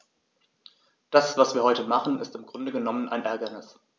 Das, was wir heute machen, ist im Grunde genommen ein Ärgernis.